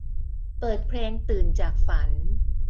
เปิดเพลงตื่นจากฝัน